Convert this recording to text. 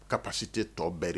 Ka pasi tɛ tɔ bɛɛri